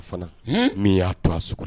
Min y'a to so